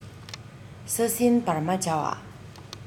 ས སྲིན འབར མ བྱ བ